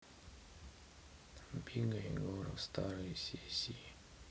бига егоров старые серии